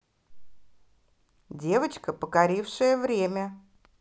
девочка покорившая время